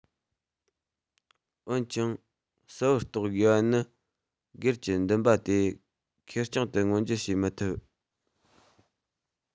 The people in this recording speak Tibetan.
འོན ཀྱང གསལ པོར རྟོགས དགོས པ ནི སྒེར གྱི འདུན པ དེ ཁེར རྐྱང དུ མངོན གྱུར བྱེད མི ཐུབ